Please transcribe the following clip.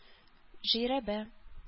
Жирәбә